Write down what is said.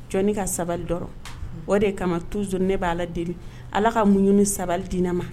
Jɔnni ka sabali o de kama tuson ne b bɛ ala deli ala ka munɲ sabali di ma